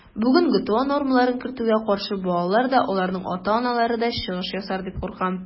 Бүген ГТО нормаларын кертүгә каршы балалар да, аларның ата-аналары да чыгыш ясар дип куркам.